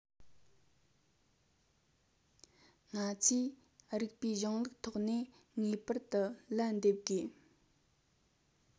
ང ཚོས རིགས པའི གཞུང ལུགས ཐོག ནས ངེས པར དུ ལན འདེབས དགོས